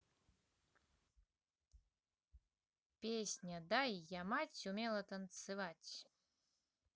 песня дай я мать умела танцевать